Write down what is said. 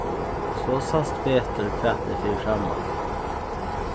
so sæst betur hvat er fyri framman